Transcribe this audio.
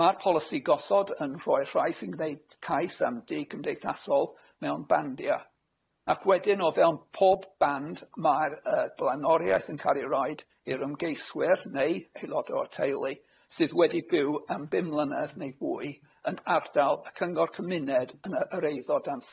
Ma'r polisi gosod yn rhoi'r rhai sy'n gneud cais am dŷ cymdeithasol mewn bandia, ac wedyn o fewn pob band ma'r yy blaenoriaeth yn ca'l ei roid i'r ymgeiswyr neu aelod o'r teulu sydd wedi byw am bum mlynedd neu fwy yn ardal y cyngor cymuned yn yy yr eiddo dan sylw.